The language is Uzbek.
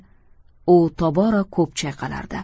u tobora ko'p chayqalardi